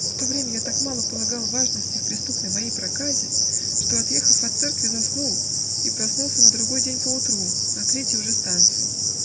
В то время я так мало полагал важности в преступной моей проказе, что, отъехав от церкви, заснул и проснулся на другой день поутру, на третьей уже станции.